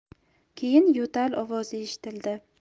keyin yo'tal ovozi eshitildi